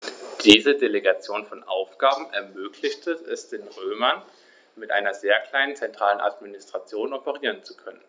Diese Delegation von Aufgaben ermöglichte es den Römern, mit einer sehr kleinen zentralen Administration operieren zu können.